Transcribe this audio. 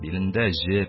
Билендә җеп,